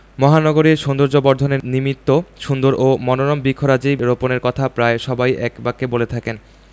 মহানগরীর সৌন্দর্যবর্ধনের নিমিত্ত সুন্দর ও মনোরম বৃক্ষরাজি রোপণের কথা প্রায় সবাই একবাক্যে বলে থাকেন